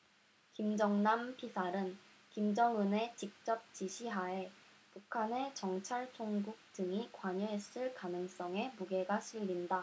김정남 피살은 김정은의 직접 지시 하에 북한의 정찰총국 등이 관여했을 가능성에 무게가 실린다